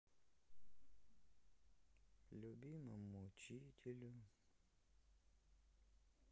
любимому учителю